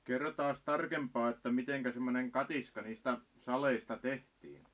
kerrotaanpas tarkempaa että miten semmoinen katiska niistä saleista tehtiin